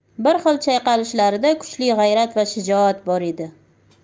bir xil chayqalishlarida kuchli g'ayrat va shijoat bor edi